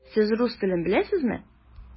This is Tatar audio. Сез рус телен беләсезме?